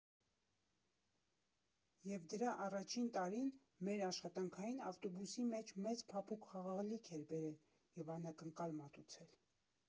Եվ դրա առաջին տարին մեր աշխատանքային ավտոբուսի մեջ մեծ փափուկ խաղալիք էր բերել և անակնկալ մատուցել։